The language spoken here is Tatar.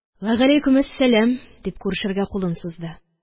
Вәгаләйкемәссәлам! – дип күрешергә кулын сузды